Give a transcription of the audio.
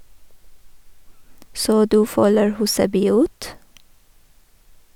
- Så du følger Huseby ut?